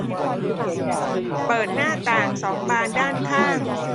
เปิดหน้าต่างสองบานด้านข้าง